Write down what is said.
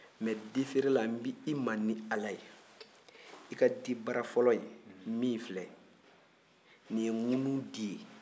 mɛ di feerela n bɛ i ma ni ala ye i ka dibara fɔlɔ in min filɛ nin ye ŋunun di ye